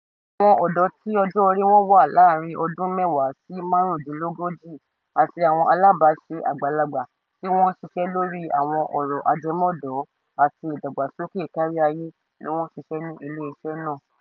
Àwọn ọ̀dọ́ tí ọjọ́ orí wọn wà láàárín ọdún mẹ́wàá sí márùndínlógójì àti àwọn alábàáṣe àgbàlagbà tí wọ́n ń ṣiṣẹ́ lórí àwọn ọ̀rọ̀ ajẹmọ́dọ̀ọ́-àti-ìdàgbàsókè káríayé ni wọ́n ń ṣiṣẹ́ ní ilé-iṣẹ́ náà.